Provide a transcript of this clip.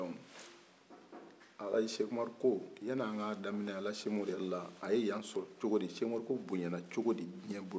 donc ɛlaji sɛkumaru ko yan'an ka daminɛ ɛlaji sɛkumaru yɛrɛ la a ye yan sɔrɔ cogo di sɛkumaru ko boyan na cogo di diɲɛ bol